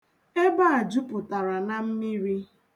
Ebe a jupụtara na mmiri.